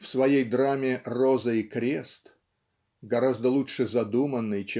В своей драме "Роза и Крест" (гораздо лучше задуманной